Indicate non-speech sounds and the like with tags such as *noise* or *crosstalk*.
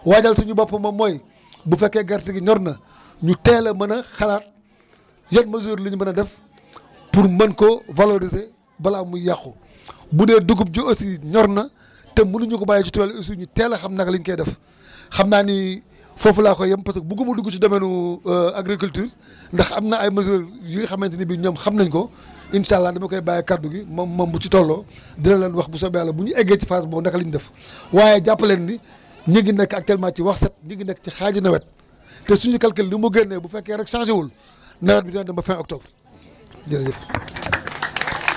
waajal suñu bopp moom mooy bu fekkee gerte gi ñor na ñu teel a mën a xalaat yan mesures la ñu mën a def pour mën koo valoriser balaa muy yàqu *breath* bu dee dugub ji aussi ñor na te mënuñu ko bàyyi ci tool yi aussi ñu teel a xam naka lañ koy def *breath* xam naa ni foofu laa koy yem parce que bëgguma dugg ci domaine *hesitation* agriculture *breath* ndax am na ay mesures yi nga xamante ne bi ñoom xam nañu ko *breath* incha allah da ma koy bàyyee ak kaddu gi moom moom bu ci tolloo *breath* dina leen wax bu soobee yàlla bu ñuy eggee ci phase naka la ñuy def *breath* waaye jàpp leen ni ñi ngi nekk actuellement ci wax set ñi ngi nekk si xaaju nawet te suñu calacul lu mu génnee bu fekkee rek changé wul nawet bi dina dem ba fin octobre jërëjëf *applause*